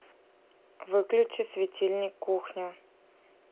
выключи светильник кухня